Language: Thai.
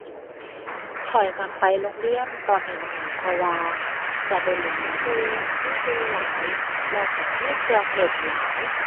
ข้อยมักไปโรงเรียนตอนน้อยน้อย เพราะว่าจะได้เล่นนำหมู่ มีหมู่หลาย แล้วก็มีเครื่องเล่นหลาย